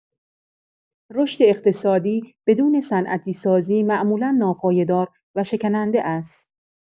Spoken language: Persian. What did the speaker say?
رشد اقتصادی بدون صنعتی‌سازی معمولا ناپایدار و شکننده است.